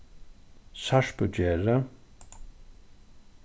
sarpugerði